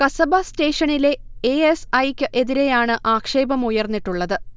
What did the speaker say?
കസബ സ്റ്റേഷനിലെ A. S. I. ക്ക് എതിരെയാണ് ആക്ഷേപം ഉയർന്നിട്ടുള്ളത്